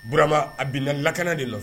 Burama a bɛ na lakana de la